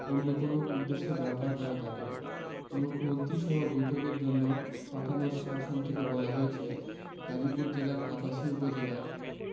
অন্য কোনো উদ্দেশ্যে ব্যবহার করা যাবে না মন্ত্রিসভা বৈঠকের জন্য পাঠানো সার সংক্ষেপে বলা হয়েছে গাজীপুর জেলার কাপাসিয়া উপজেলার